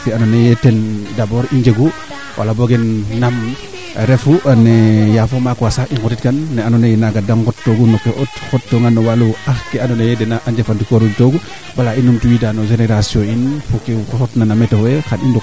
taxar ke o ley anga te mbudaay ke manaam seɓer sama fule wala pudaay ke saxta fule surtout o ngoolo nge i leya samsuuƴ maak we an toogan neene to anda ye koy Djiby samsuuƴ sereer a rok anga teenr ek